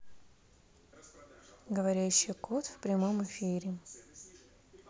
говорящий кот в прямом эфире